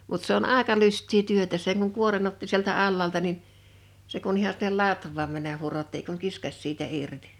mutta se on aika lystiä työtä sen kun kuoren otti sieltä alhaalta niin se kun ihan sinne latvaan mennä hurotti ei kuin kiskaisi siitä irti